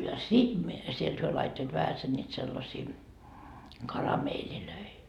ja sitten minä sieltä he laittoivat vähäsen niitä sellaisia karamelleja